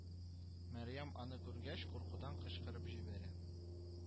Мәрьям аны күргәч куркудан кычкырып җибәрә